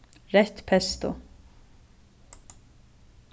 reytt pesto